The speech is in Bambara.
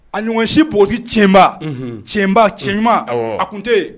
A ɲɔgɔnsi boti tiɲɛba cɛba cɛ ɲuman a tun tɛ yen